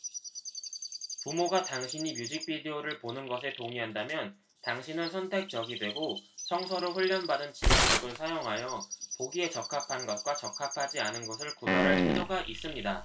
부모가 당신이 뮤직 비디오를 보는 것에 동의한다면 당신은 선택적이 되고 성서로 훈련받은 지각력을 사용하여 보기에 적합한 것과 적합하지 않은 것을 구별할 필요가 있습니다